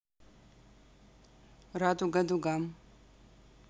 радуга дуга